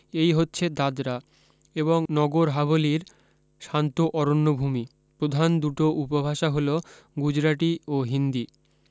এই হচ্ছে দাদরা এবং নগর হাভেলীর শান্ত অরন্যভুমি প্রধান দুটো উপভাষা হল গুজরাটি ও হিন্দী